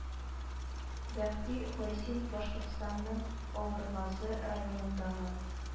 Бәхти Гайсин Башкортстанның Авыргазы районындагы